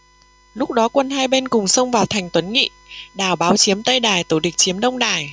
lúc đó quân hai bên cùng xông vào thành tuấn nghị đào báo chiếm tây đài tổ địch chiếm đông đài